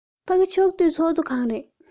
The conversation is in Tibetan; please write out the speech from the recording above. ཕ གི ཕྱོགས བསྡུས ཚོགས ཁང རེད